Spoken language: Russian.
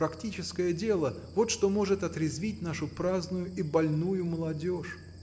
практическое дело – вот что может отрезвить нашу праздную и больную молодежь.